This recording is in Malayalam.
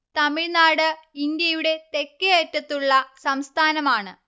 തമിഴ്നാട് ഇന്ത്യയുടെ തെക്കേയറ്റത്തുള്ള സംസ്ഥാനമാണ്